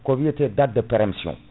ko wiyate date de peremption